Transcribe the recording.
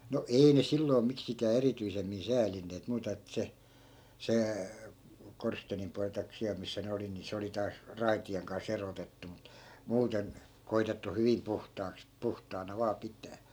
no ei ne silloin miksikään erityisemmin säälineet muuta että se se korsteenin puoli tai siellä missä ne oli niin se oli taas raitien kanssa erotettu mutta muuten koetettu hyvin puhtaaksi puhtaana vain pitää